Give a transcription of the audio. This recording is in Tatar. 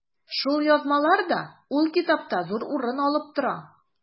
Шул язмалар да ул китапта зур урын алып тора.